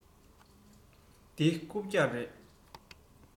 འདི རྐུབ བཀྱག རེད